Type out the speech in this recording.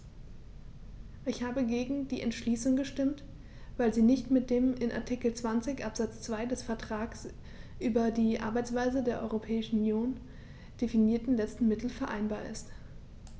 Ich habe gegen die Entschließung gestimmt, weil sie nicht mit dem in Artikel 20 Absatz 2 des Vertrags über die Arbeitsweise der Europäischen Union definierten letzten Mittel vereinbar ist.